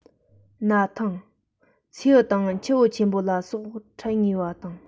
ན ཐང མཚེའུ དང ཆུ བོ ཆེན པོ ལ སོགས ལ འཕྲད ངེས པ དང